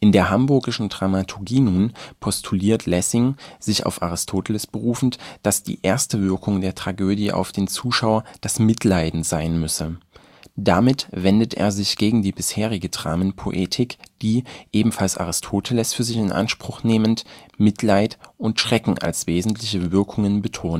der Hamburgischen Dramaturgie nun postuliert Lessing, sich auf Aristoteles berufend, dass die erste Wirkung der Tragödie auf den Zuschauer das Mitleiden sein müsse. Damit wendet er sich gegen die bisherige Dramenpoetik, die, ebenfalls Aristoteles für sich in Anspruch nehmend, Mitleid und Schrecken als wesentliche Wirkung betonen